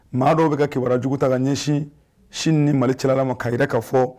Maa dɔw bɛ kɛ kibawajugu ta ka ɲɛsin sini ni mali cɛla ma kaɛrɛ ka fɔ